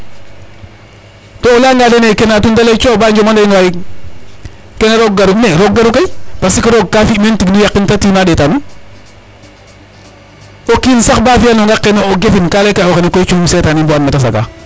Xar atun to o layanga kene atun ta lay e co ba njom'and a in waay kene roog garu .Mais roog garu kay parce que roog ka fi' meen tig nu yaqin ta timaa ɗeeta nuun o kiin sax ba fi'anonga qenu o gefin ka layka yee o xene koy cungim setanin bo and me ta sagaa.